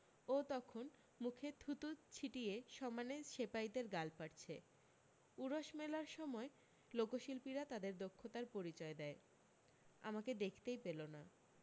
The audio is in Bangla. ও তখন মুখে থুথু ছিটিয়ে সমানে সেপাইদের গাল পাড়ছে উরস মেলার সময় লোকশিল্পীরা তাদের দক্ষতার পরিচয় দেয় আমাকে দেখতেই পেল না